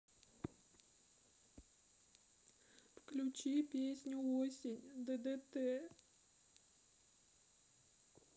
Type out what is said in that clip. включи песню осень ддт